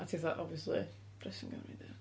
A ti fatha, obviously dressing gown fi dio.